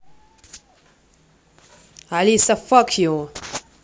алиса fuck you